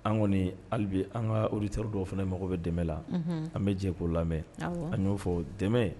An kɔnibi an ka otri dɔw fana ye mago bɛ dɛmɛ la an bɛ jɛ ko lamɛn a y'o fɔ dɛmɛ ye